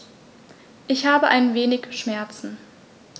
Ich habe ein wenig Schmerzen.